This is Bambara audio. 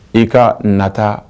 I ka nata